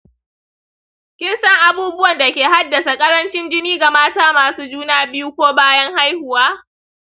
kin san abubuwan da ke haddasa ƙarancin jini ga mata masu juna biyu ko bayan haihuwa?